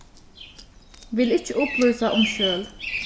vil ikki upplýsa um skjøl